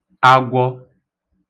agwọ